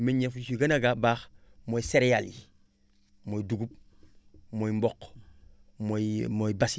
meññeef yu si gën a ga baax mooy céréales yi mooy dugub mooy mboq mooy mooy basi